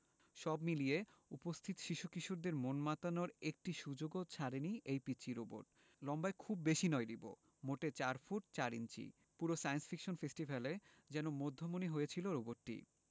সব মিলিয়ে উপস্থিত শিশু কিশোরদের মন মাতানোর একটি সুযোগও ছাড়েনি এই পিচ্চি রোবট লম্বায় খুব বেশি নয় রিবো মোটে ৪ ফুট ৪ ইঞ্চি পুরো সায়েন্স ফিকশন ফেস্টিভ্যালে যেন মধ্যমণি হয়েছিল রোবটটি